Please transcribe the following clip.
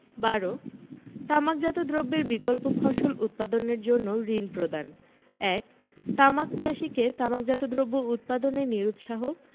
১২ তামাকজাত দ্রব্যের বিকল্প ফসল উৎপাদনের জন্য ঋণ প্রদানঃ ১ তামাক চাষীকে তামাকজাত দ্রব্য উৎপাদনে নিরুৎসাহ